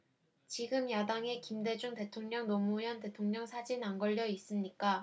지금 야당에 김대중 대통령 노무현 대통령 사진 안 걸려 있습니까